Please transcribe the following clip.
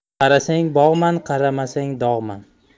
qarasang bog'man qaramasang dog'man